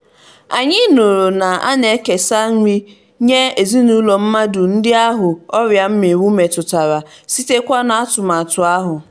GV: Anyị nụrụ na a na-ekesara nri nye ezinụlọ mmadụ ndị ahụ ọrịa mmịnwụ metụtara site kwa n'atụmatụ ahụ.